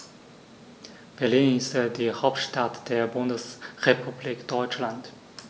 Berlin ist die Hauptstadt der Bundesrepublik Deutschland.